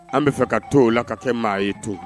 An bɛ fɛ ka to o la ka kɛ maa ye to